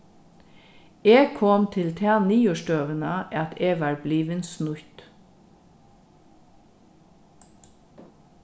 eg kom til ta niðurstøðuna at eg var blivin snýtt